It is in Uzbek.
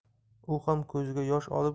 u ham ko'ziga yosh olib